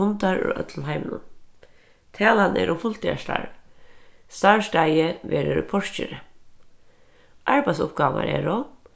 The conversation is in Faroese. kundar úr øllum heiminum talan er um fulltíðarstarv starvsstaðið verður í porkeri arbeiðsuppgávurnar eru